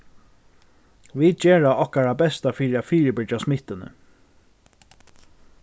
vit gera okkara besta fyri at fyribyrgja smittuni